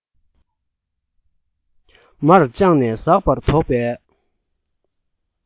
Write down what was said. མར འཕྱང ནས ཟགས པར དོགས པའི